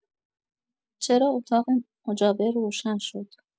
چراغ اطاق مجاور روشن شد.